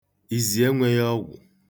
Izi enwebeghị ọgwụ.